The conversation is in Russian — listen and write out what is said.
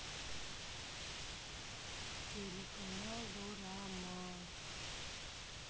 телеканал дорама